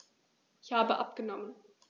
Ich habe abgenommen.